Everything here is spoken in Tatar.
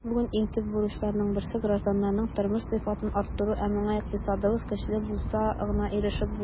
Бүген иң төп бурычларның берсе - гражданнарның тормыш сыйфатын арттыру, ә моңа икътисадыбыз көчле булса гына ирешеп була.